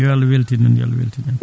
yo Allah weltin on yo Allah weltin on